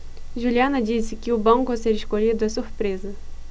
juliana disse que o banco a ser escolhido é surpresa